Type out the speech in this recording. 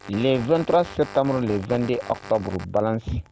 le2tta se tan le2de a kaburu basi